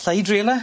'Llai drio fe?